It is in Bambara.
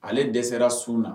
Ale dɛsɛra sun na